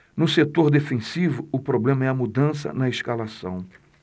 no setor defensivo o problema é a mudança na escalação